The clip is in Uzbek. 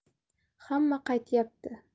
hamma qaytyapti